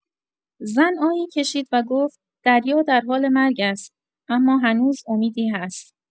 زن آهی کشید و گفت: «دریا در حال مرگ است، اما هنوز امیدی هست.»